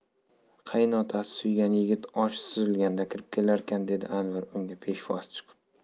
qaynotasi suygan yigit osh suzilganda kirib kelarkan dedi anvar unga peshvoz chiqib